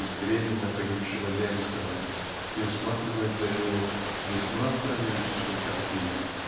безвременно погибшего Ленского и усматривает за нею весьма прозаическую картину.